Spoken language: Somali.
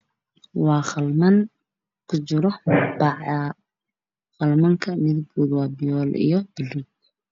Waa qalimaan waxay kujiraan kartooman qalimankaan midabkoodu waa fiyool iyo buluug.